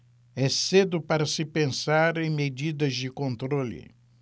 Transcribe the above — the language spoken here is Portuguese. é cedo para se pensar em medidas de controle